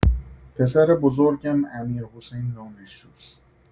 پسر بزرگم امیرحسین دانشجوست.